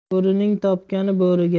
bo'rining topgani bo'riga